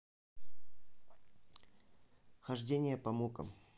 хождение по мукам